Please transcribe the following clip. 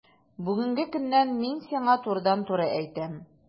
Бүгенге көннән мин сиңа турыдан-туры әйтәм: